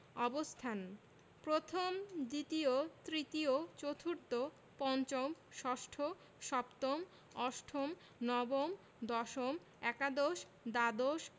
অবস্থানঃ প্রথম দ্বিতীয় তৃতীয় চতুর্থ পঞ্চম ষষ্ঠ সপ্তম অষ্টম নবম দশম একাদশ দ্বাদশ